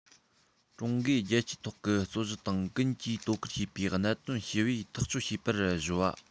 ཀྲུང གོས རྒྱལ སྤྱིའི ཐོག གི རྩོད གཞི དང ཀུན གྱིས དོ ཁུར བྱེད པའི གནད དོན ཞི བས ཐག གཅོད བྱེད པར གཞོལ བ